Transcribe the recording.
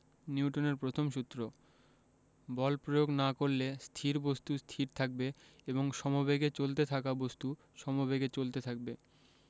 নিউটনের প্রথম সূত্র বল প্রয়োগ না করলে স্থির বস্তু স্থির থাকবে এবং সমেবেগে চলতে থাকা বস্তু সমেবেগে চলতে থাকবে